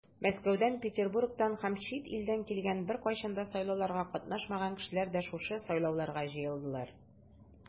Мәскәүдән, Петербургтан һәм чит илдән килгән, беркайчан да сайлауларда катнашмаган кешеләр дә шушы сайлауларга җыелдылар.